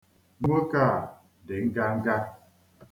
Nwoke a dị nganga